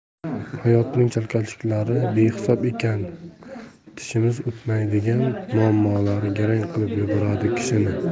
hayotning chalkashliklari behisob ekan tishimiz o'tmaydigan muammolari garang qilib yuboradi kishini